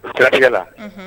I siratigɛ la